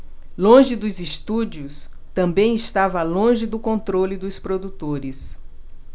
longe dos estúdios também estava longe do controle dos produtores